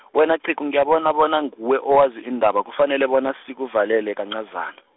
wena qhegu ngiyabona bona nguwe owazi indaba kufanele bona sikuvalele kanqazan- .